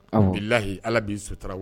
A bi layi ala b'i sota